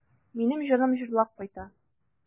Минем җаным җырлап кайта.